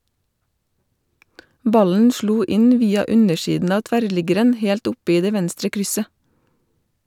Ballen slo inn via undersiden av tverrliggeren helt oppe i det venstre krysset.